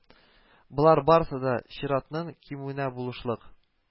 Болар барысы да чиратның кимүенә булышлык